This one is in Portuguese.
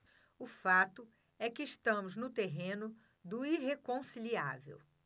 o fato é que estamos no terreno do irreconciliável